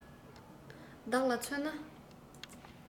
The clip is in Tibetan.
བདག ལ མཚོན ན